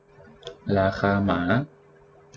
ราคาหมา